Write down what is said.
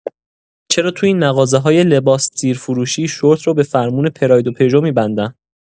چرا تو این مغازه‌های لباس‌زیر فروشی شورت رو به فرمون پراید و پژو می‌بندن؟